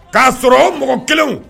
K'a sɔrɔ o mɔgɔ kelenw